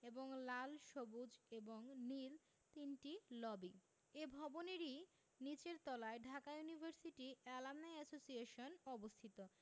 এবং লাল সবুজ এবং নীল তিনটি লবি এ ভবনেরই নিচের তলায় ঢাকা ইউনিভার্সিটি এলামনাই এসোসিয়েশন অবস্থিত